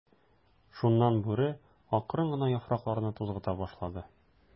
Шуннан Бүре акрын гына яфракларны тузгыта башлады.